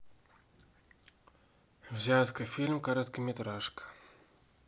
взятка фильм короткометражка